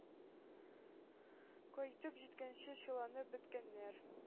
Кайтып җиткәнче чыланып беткәннәр.